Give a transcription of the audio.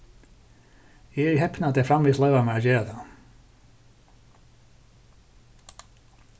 eg eri heppin at tey framvegis loyva mær at gera tað